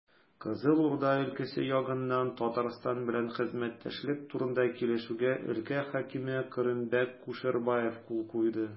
Кызыл Урда өлкәсе ягыннан Татарстан белән хезмәттәшлек турында килешүгә өлкә хакиме Кырымбәк Кушербаев кул куйды.